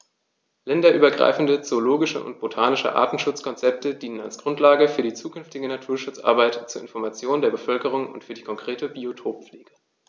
Länderübergreifende zoologische und botanische Artenschutzkonzepte dienen als Grundlage für die zukünftige Naturschutzarbeit, zur Information der Bevölkerung und für die konkrete Biotoppflege.